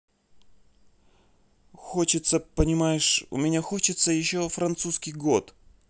хочется понимаешь у меня хочется еще французский год